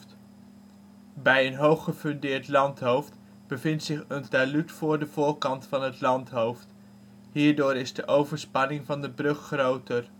Bij een hoog gefundeerd landhoofd bevindt zich een talud voor de voorkant van het landhoofd. Hierdoor is de overspanning van de brug groter